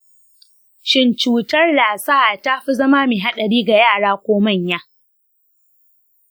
shin cutar lassa ta fi zama mai haɗari ga yara ko manya?